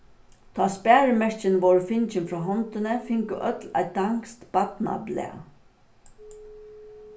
tá sparimerkini vóru fingin frá hondini fingu øll eitt danskt barnablað